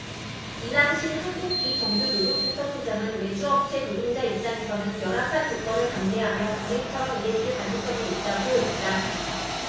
이남신 한국비정규노동센터 소장은 외주업체 노동자 입장에서는 열악한 조건을 감내하며 관행처럼 일했을 가능성이 높다고 했다